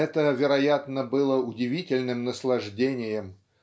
это, вероятно, было удивительным наслаждением